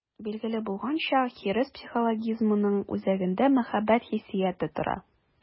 Билгеле булганча, хирыс психологизмының үзәгендә мәхәббәт хиссияте тора.